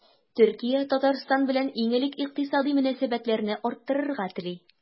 Төркия Татарстан белән иң элек икътисади мөнәсәбәтләрне арттырырга тели.